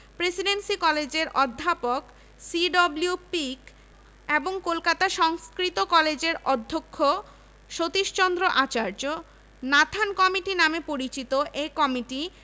ঢাকায় একটি পৃথক বিশ্ববিদ্যালয় প্রতিষ্ঠা সম্ভবত হবে বাংলাকে অভ্যন্তরীণভাবে বিভক্তির শামিল তাঁরা আরও মত প্রকাশ করেন যে